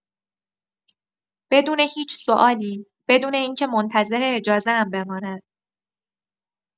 بدون هیچ سوالی، بدون این‌که منتظر اجازه‌ام بماند.